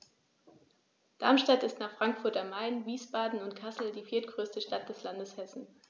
Darmstadt ist nach Frankfurt am Main, Wiesbaden und Kassel die viertgrößte Stadt des Landes Hessen